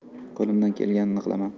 qo'limdan kelganini qilaman